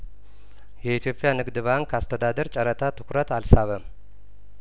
የኢትዮጵያ ንግድ ባንክ አስተዳደር ጨረታ ትኩረት አልሳበም